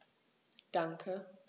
Danke.